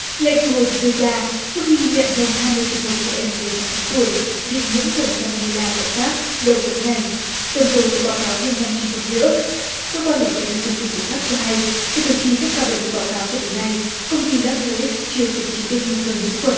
lệnh thu hồi được đưa ra sau khi nhận hơn hai mươi trường hợp trẻ em dưới sáu tháng tuổi bị nhiễm khuẩn sa mô lê na tại pháp đầu tháng này tuần rồi có báo cáo thêm năm trường hợp nữa cơ quan bảo vệ người tiêu dùng của pháp cho hay kể từ khi các ca bệnh được báo cáo cho tới nay công ty lac thao lít chưa xử trí được nguy cơ nhiễm khuẩn